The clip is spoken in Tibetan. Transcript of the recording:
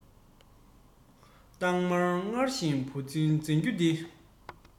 སྟག དམར ངར བཞིན བུ བཞིན འཛིན རྒྱུ འདི